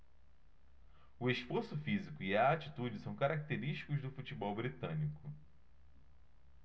o esforço físico e a atitude são característicos do futebol britânico